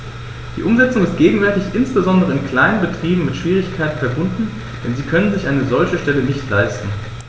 Die Umsetzung ist gegenwärtig insbesondere in kleinen Betrieben mit Schwierigkeiten verbunden, denn sie können sich eine solche Stelle nicht leisten.